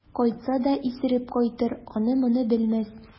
Кайтса да исереп кайтыр, аны-моны белмәс.